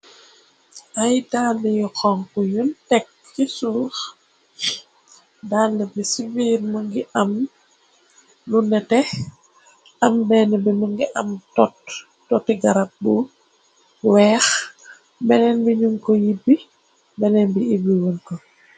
Ay daala yu xonku yun tekk ci suuf daala bi ci biir mongi am lu nete am benna bi mongi am tot toti garab bu weex beneen bi nu ko yibbi beneen bi ibi wunn ko.